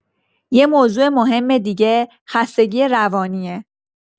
یه موضوع مهم دیگه، خستگی روانیه.